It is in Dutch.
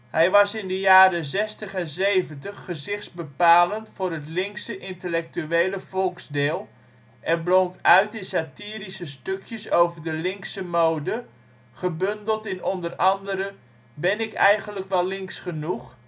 Hij was in de jaren zestig en zeventig gezichtsbepalend voor het linkse intellectuele volksdeel, en blonk uit in satirische stukjes over de linkse mode; gebundeld in onder andere Ben ik eigenlijk wel links genoeg